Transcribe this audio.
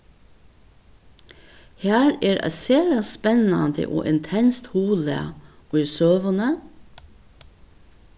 har er eitt sera spennandi og intenst huglag í søguni